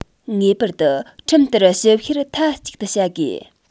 ངེས པར དུ ཁྲིམས ལྟར ཞིབ བཤེར མཐའ གཅིག ཏུ བྱ དགོས